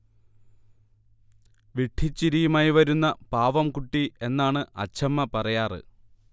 വിഡ്ഢിച്ചിരിയുമായി വരുന്ന പാവംകുട്ടി എന്നാണ് അച്ഛമ്മ പറയാറ്